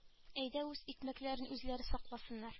Әйдә үз икмәкләрен үзләре сакласыннар